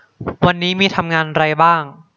วันนี้มีทำงานไรบ้าง